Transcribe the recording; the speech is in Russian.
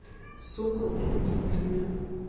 sokol это дебильное